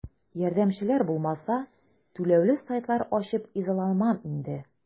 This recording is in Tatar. Ярдәмчеләр булмаса, түләүле сайтлар ачып изаланмам инде.